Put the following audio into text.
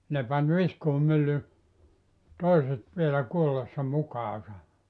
ne pani viskuumyllyn toiset vielä kuollessa mukaansa